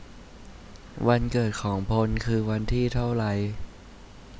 วันเกิดของพลคือวันที่เท่าไร